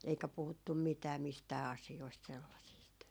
eikä puhuttu mitään mistään asioista sellaisista